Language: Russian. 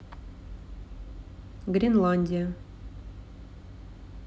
гренландия